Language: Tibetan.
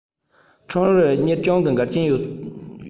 ཁྲོམ རའི གཉེར སྐྱོང གི འགལ རྐྱེན ཡོད ཐག ཆོད རེད